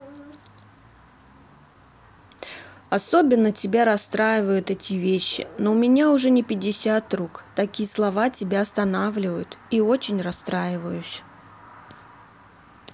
особенно тебя расстраивают эти вещи но у меня уже не пятьдесят рук такие слова тебя останавливают и очень расстраиваюсь